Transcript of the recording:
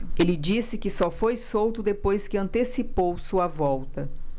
ele disse que só foi solto depois que antecipou sua volta